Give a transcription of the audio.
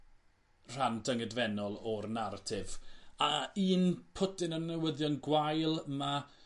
rhan dyngedfennol o'r naratif a un pwtyn y newyddion gwael ma'